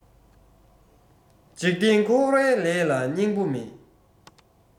འཇིག རྟེན འཁོར བའི ལས ལ སྙིང པོ མེད